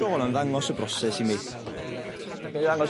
...am ddangos y broses i mi. Cer i ddangos...